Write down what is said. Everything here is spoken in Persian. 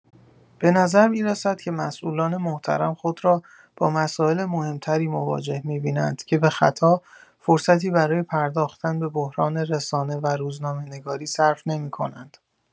به نظر می‌رسد که مسئولان محترم خود را با مسائل مهم‌تری مواجه می‌بینند که به خطا فرصتی برای پرداختن به بحران رسانه و روزنامه‌نگاری صرف نمی‌کنند.